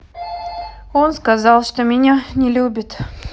он сказал что меня не любит